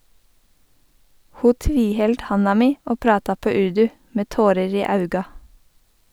Ho tviheldt handa mi og prata på urdu, med tårer i auga.